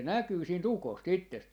se näkyy siitä ukosta itsestä